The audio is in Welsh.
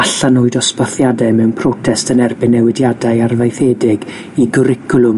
allan o'u dosbarthiadau mewn protest yn erbyn newidiadau arfaethedig i gwricwlwm